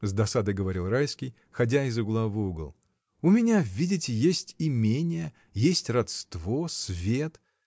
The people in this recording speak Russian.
— с досадой говорил Райский, ходя из угла в угол, — у меня, видите, есть имение, есть родство, свет.